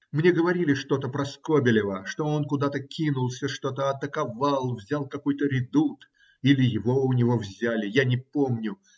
Мне говорили что-то про Скобелева, что он куда-то кинулся, что-то атаковал, взял какой-то редут или его у него взяли. я не помню.